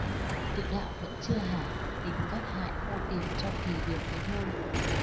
tự đạo vẫn chưa hả tìm cách hại ngô tiềm cho kì được mới thôi